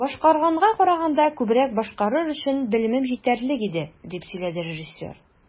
"башкарганга караганда күбрәк башкарыр өчен белемем җитәрлек иде", - дип сөйләде режиссер.